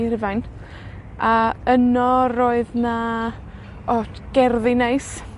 i Rufain, a yno roedd 'na, o gerddi neis,